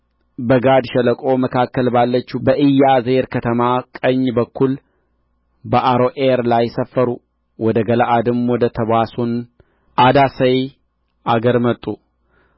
በጋድ ሸለቆ መካከል ባለችው በኢያዜር ከተማ ቀኝ በኩል በአሮዔር ላይ ሰፈሩ ወደ ገለዓድም ወደ ተባሶን አዳሰይ አገር መጡ